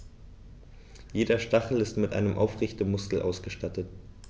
Jeder Stachel ist mit einem Aufrichtemuskel ausgestattet.